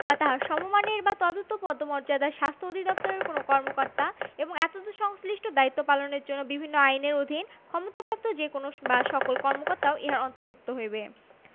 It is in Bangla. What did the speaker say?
বা তাঁহার সমমানের বা তদূর্ধ্ব পদমর্যাদার স্বাস্থ্য অধিদপ্তরের কোন কর্মকর্তা এবং এতদ্ সংশ্লিষ্ট দায়িত্ব পালনের জন্য বিভিন্ন আইনের অধীন ক্ষমতাপ্রাপ্ত যে কোন বা সকল কর্মকর্তাও ইহার অন্তর্ভুক্ত হইবে